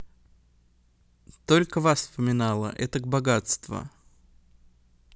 только вас вспоминала этак богатство